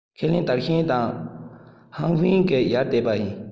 ཁས ལེན དར ཤན དང ཧྥང ཧྲན ནི ཡར བལྟས པ ཡིན